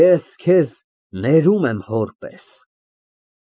Ես քեզ ներում եմ հոր պես։